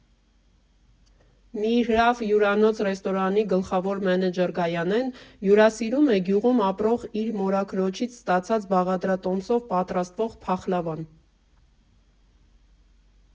«Միրհավ» հյուրանոց֊ռեստորանի գլխավոր մենեջեր Գայանեն հյուրասիրում է գյուղում ապրող իր մորաքրոջից ստացած բաղադրատոմսով պատրաստվող փախլավան։